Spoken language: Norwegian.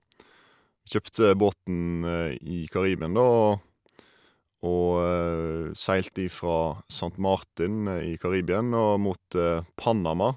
Kjøpte båten i Karibien, da, og og seilte ifra Sankt Martin i Karibien og mot Panama.